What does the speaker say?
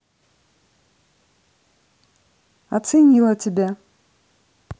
оценила тебя